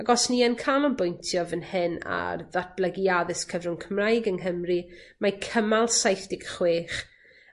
Ac os ni yn canolbwyntio fyn hyn ar ddatblygu addysg cyfrwng Cymraeg yng Nghymru mae cymal saith deg chwech